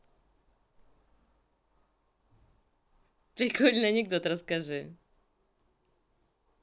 прикольный анекдот расскажи